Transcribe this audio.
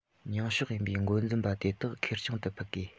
ཉུང ཕྱོགས ཡིན པའི འགོ འཛིན པ དེ དག ཁེར རྐྱང དུ ཕུད དགོས